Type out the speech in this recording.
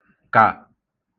kà